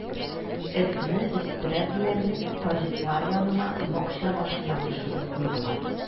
Этне, өстерәп диярлек, таҗиклар янына, бакча башына төшереп куйдылар.